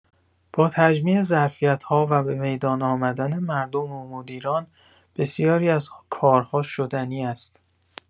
با تجمیع ظرفیت‌ها و به میدان آمدن مردم و مدیران، بسیاری از کارها شدنی است.